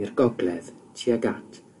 i'r gogledd tuag at